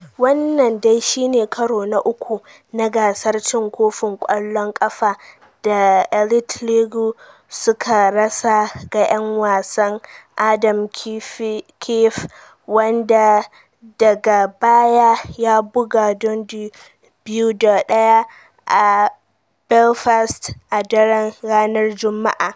Wannan dai shi ne karo na uku na gasar cin kofin kwallon kafa da Elite League suka rasa ga 'yan wasan Adam Keefe, wanda daga baya ya buga Dundee 2-1 a Belfast a daren ranar Jumma'a.